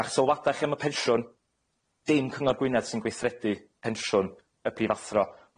Ma'ch sylwada chi am y penshiwn, dim Cyngor Gwynedd sy'n gweithredu penshiwn y prifathro.